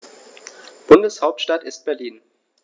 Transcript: Bundeshauptstadt ist Berlin.